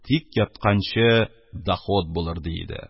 Тик ятканчы, доход булыр, ди иде.